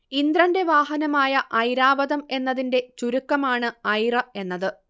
ഇന്ദ്രന്റെ വാഹനമായ ഐരാവതം എന്നതിന്റെ ചുരുക്കമാണ് ഐറ എന്നത്